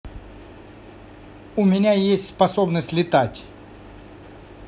у меня есть способность летать